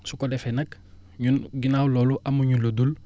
su ko defee nag ñun ginnaaw loolu amu ñu lu dul